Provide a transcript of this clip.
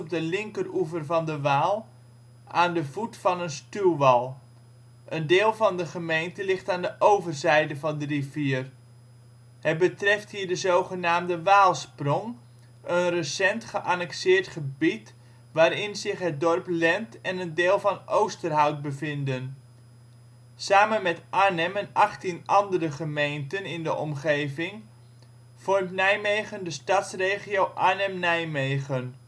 de linkeroever van de Waal, aan de voet van een stuwwal. Een deel van de gemeente ligt aan de overzijde van de rivier. Het betreft hier de zogenaamde Waalsprong, een recent geannexeerd gebied, waarin zich het dorp Lent en een deel van Oosterhout bevinden. Samen met Arnhem en 18 andere gemeenten in de omgeving vormt Nijmegen de Stadsregio Arnhem Nijmegen